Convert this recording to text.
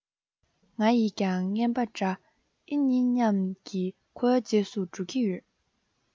ང ཡིས ཀྱང རྔན པ འདྲ ཨེ རྙེད སྙམ གྱིན ཁོའི རྗེས སུ འགྲོ གི ཡོད